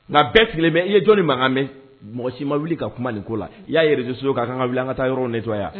Nka bɛɛ tile bɛ i ye jɔn ni makan mɛn mɔgɔ si ma wuli ka kuma nin ko la i y'a yɛrɛ don so' kan ka wuli an ka taa yɔrɔ ne cogoyaya